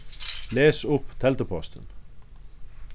les upp teldupostin